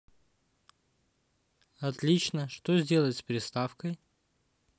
отлично что сделать с приставкой